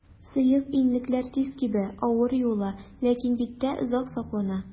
Сыек иннекләр тиз кибә, авыр юыла, ләкин биттә озак саклана.